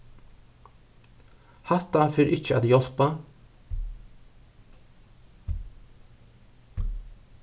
hatta fer ikki at hjálpa